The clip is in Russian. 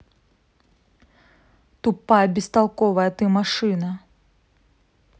тупая бестолковая ты машина